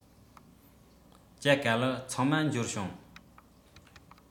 ཇ ག ལི ཚང མ འབྱོར བྱུང